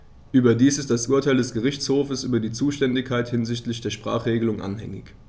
Überdies ist das Urteil des Gerichtshofes über die Zuständigkeit hinsichtlich der Sprachenregelung anhängig.